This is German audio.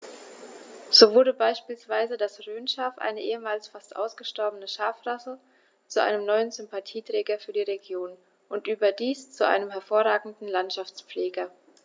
So wurde beispielsweise das Rhönschaf, eine ehemals fast ausgestorbene Schafrasse, zu einem neuen Sympathieträger für die Region – und überdies zu einem hervorragenden Landschaftspfleger.